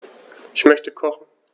Ich möchte kochen.